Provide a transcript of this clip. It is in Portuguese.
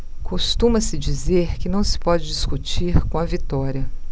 costuma-se dizer que não se pode discutir com a vitória